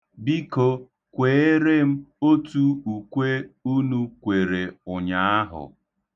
Biko, kweere m otu ukwe unu kwere ụnyaahụ.